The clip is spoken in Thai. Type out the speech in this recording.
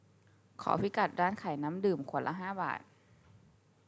ขอพิกัดร้านขายน้ำดื่มขวดละห้าบาท